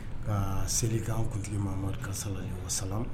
Ka seli k an kuntigi mamari ka sa sa